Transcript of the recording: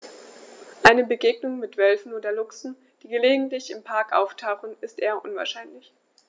Eine Begegnung mit Wölfen oder Luchsen, die gelegentlich im Park auftauchen, ist eher unwahrscheinlich.